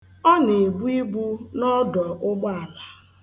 Ọ na-ebu ibu n'ọdọ ụgbọala.